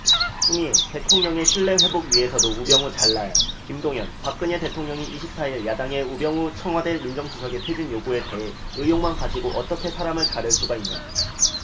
추미애 대통령에 신뢰 회복위해서도 우병우 잘라야김동현 박근혜 대통령이 이십 사 일 야당의 우병우 청와대 민정수석의 퇴진요구에 대해 의혹만 가지고 어떻게 사람을 자를 수가 있나